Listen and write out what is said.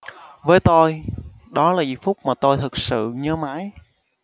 với tôi đó là giây phút mà tôi thực sự nhớ mãi